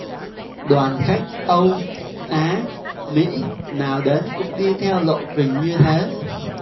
đoàn khách âu á mỹ nào đến cũng đi theo lộ trình như thế